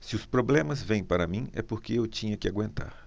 se os problemas vêm para mim é porque eu tinha que aguentar